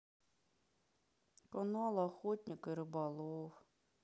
канал охотник и рыболов